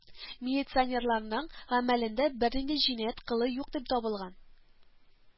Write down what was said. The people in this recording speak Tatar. Милиционерларның гамәлендә бернинди җинаять кылу юк дип табылган